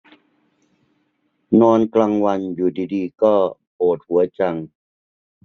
นอนกลางวันอยู่ดีดีก็ปวดหัวจัง